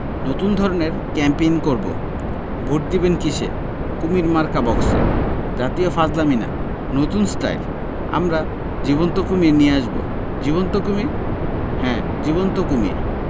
নতুন ধরনের ক্যাম্পেইন করব ভোট দিবেন কিসে কুমীর মার্কা বাক্সে জাতীয় ফাজলামী না নতুন স্টাইল আমরা জীবন্ত কুমীর নিয়ে আসব জীবন্ত কুমীর হ্যাঁ জীবন্ত কুমীর